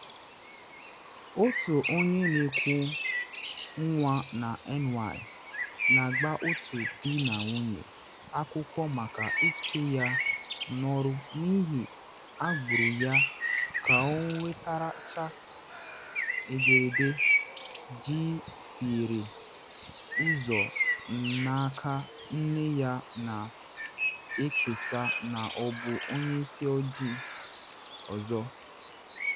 Otu onye na eku nwa na NY na agba otu di na nwunye akwụkwọ maka ịchụ ya n’ọrụ n’ihi agbụrụ ya ka ọ nwetachara ederede jefiere ụzọ n’aka nne ya na ekpesa na ọ bụ “onye isi ojii ọzọ.”